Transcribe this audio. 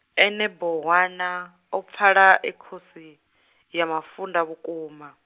ene Bohwana, u pfala, e khosi, ya mafunda vhukuma.